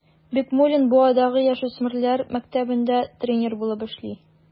Бикмуллин Буадагы яшүсмерләр мәктәбендә тренер булып эшли.